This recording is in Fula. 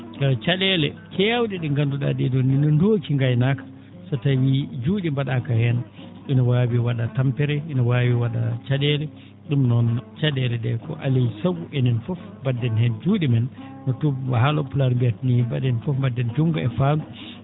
ca?eele keew?e ?e ngandu?a ?ee ?oo ni no ndooki ngaynaaka so tawii juu?e mba?aaka heen ina waawi wa?a tampere ina waawi wa?a ca?eele ?um noon ca?eele ?ee ko alaa e sago enen fof mba?den heen juu?e men no tu no haaloo?e pulaar mbiyata ni mba?en fof mba?den junngo e faandu